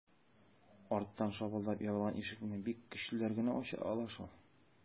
Арттан шапылдап ябылган ишекне бик көчлеләр генә ача ала шул...